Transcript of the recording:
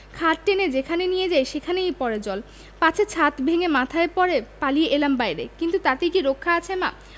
খাট টেনে যেখানে নিয়ে যাই সেখানেই পড়ে জল পাছে ছাত ভেঙ্গে মাথায় পড়ে পালিয়ে এলাম বাইরে কিন্তু তাতেই কি রক্ষে আছে মা